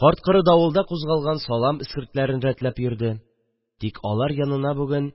Карт-коры давылда кузгалган салам эскертләрен рәтләп йөрде, тик алар янына бүген